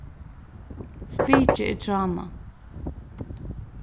spikið er tránað